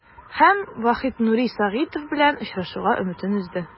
Һәм Вахит Нури Сагитов белән очрашуга өметен өзде.